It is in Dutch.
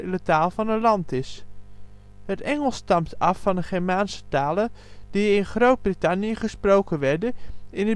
taal van een land is. Het Engels stamt af van de Germaanse talen die in Groot-Brittannië gesproken werden, in